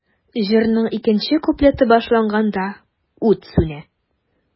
Җырның икенче куплеты башланганда, ут сүнә.